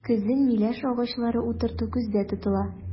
Көзен миләш агачлары утырту күздә тотыла.